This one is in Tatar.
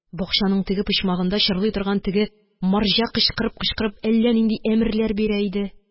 Бакчаның теге почмагында чырлый торган теге марҗа кычкырып-кычкырып әллә нинди әмерләр бирә иде